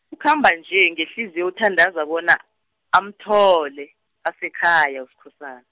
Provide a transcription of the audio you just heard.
ukhamba nje ngehliziyo uthandaza bona , amthole, asekhaya Uskhosana.